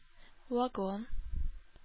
Вагон